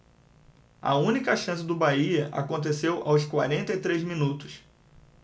a única chance do bahia aconteceu aos quarenta e três minutos